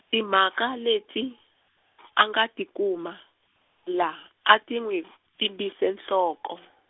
timhaka leti , a nga ti kuma, la, a ti n'wi pfimbise nhloko.